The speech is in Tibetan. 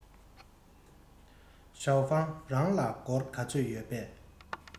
ཞའོ ཧྥང རང ལ སྒོར ག ཚོད ཡོད པས